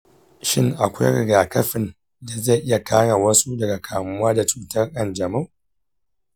shin akwai rigakafin da zai iya kare wasu daga kamuwa da cutar kanjamau?